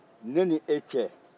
ne ni e cɛ